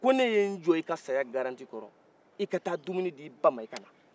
ko ne ye n jɔ e ka saya garanti kɔrɔ i ka taa dumini d'i ba ma i ka na